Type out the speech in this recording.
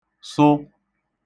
sụ